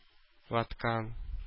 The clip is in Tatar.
Ваткан